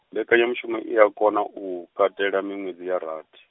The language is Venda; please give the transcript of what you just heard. mbekanyamushumo i a kona u, katela miṅwedzi ya rathi.